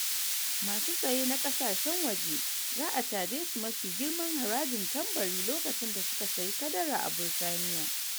Masu saye na ƙasashen waje za a caje su mafi girman harajin tambari lokacin da suka sayi kadara a Burtaniya